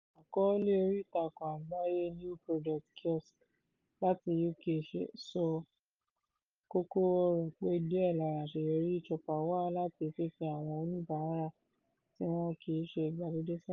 Àkọọ́lẹ̀ oríìtakùn àgbáyé NeoProducts Kiosks, láti UK, sọ kókó-ọ̀rọ̀ pé díẹ̀ lára àṣeyọrí eChoupal wá láti fífi àwọn oníbàárà tí wọ́n kìí ṣe ìgbàlódé sẹ́yìn.